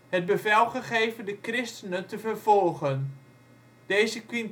het bevel gegeven de christenen te vervolgen. Deze Quintianus, die een